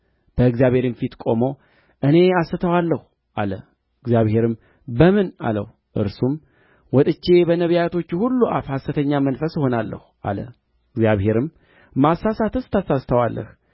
በእግዚአብሔርም ፊት ቆሞ እኔ አሳስተዋለሁ አለ እግዚአብሔርም በምን አለው እርሱም ወጥቼ በነቢያቶቹ ሁሉ አፍ ሐሰተኛ መንፈስ እሆናለሁ አለ እግዚአብሔርም ማሳሳትስ ታሳስተዋለህ